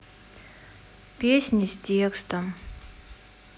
песни с текстом